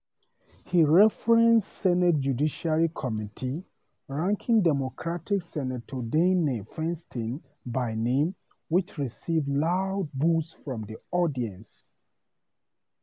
He referenced Senate Judiciary Committee ranking Democratic Sen. Dianne Feinstein by name, which received loud boos from the audience.